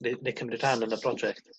Neu ne' cymryd rhan yn y project?